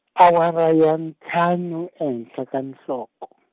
awara ya ntlhanu ehenhla ka nhloko.